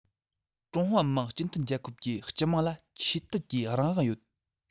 ཀྲུང ཧྭ མི དམངས སྤྱི མཐུན རྒྱལ ཁབ ཀྱི སྤྱི དམངས ལ ཆོས དད ཀྱི རང དབང ཡོད